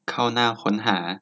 เข้าหน้าค้นหา